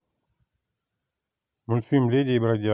мультфильм леди и бродяга